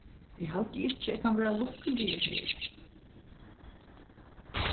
eg haldi ikki eg kann vera lukkuligur her